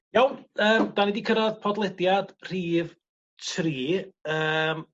Iawn yym 'dan ni 'di cyrradd podlediad rhif tri yym